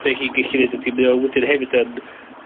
be' chi gellu neud ydi mae o wedyn hefyd yn